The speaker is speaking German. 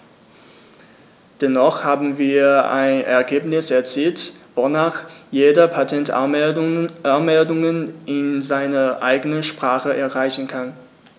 Dennoch haben wir ein Ergebnis erzielt, wonach jeder Patentanmeldungen in seiner eigenen Sprache einreichen kann.